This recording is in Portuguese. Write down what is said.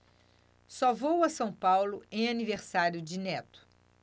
só vou a são paulo em aniversário de neto